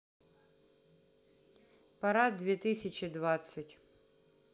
парад две тысячи двадцать